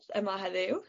...yma heddiw.